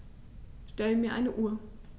Stell mir eine Uhr.